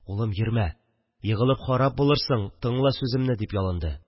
– улым, йөрмә, егылып харап булырсың, тыңла сүземне, – дип ялынды